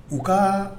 U ka